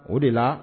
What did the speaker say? O de la